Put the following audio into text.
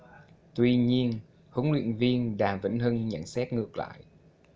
tuy nhiên huấn luyện viên đàm vĩnh hưng nhận xét ngược lại